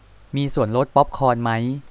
มีส่วนลดป๊อปคอร์นมั้ย